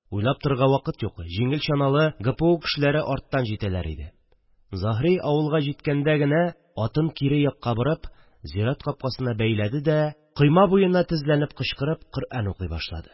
Уйлап торырга вакыт юк, җиңел чаналы ГПУ кешеләре арттан җитәләр иде, Заһри, авылга җиткәндә генә атын кире якка борып, зират капкасына бәйләде дә, койма буена тезләнеп, кычкырып коръән укый башлады